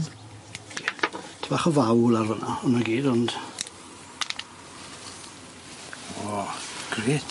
Ty' bach o faw lawr fyn 'na, on' 'na gyd ond. O, grêt.